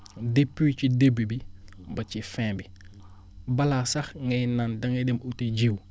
depuis ci début bi ba ci fin bi balaa sax ngay naan da ngay dem uti jiw